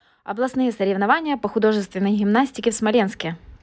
областные соревнования по художественной гимнастике в смоленске